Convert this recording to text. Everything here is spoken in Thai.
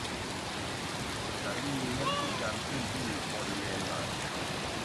ฉันมีเม็ดสีดำขึ้นที่บริเวณหลัง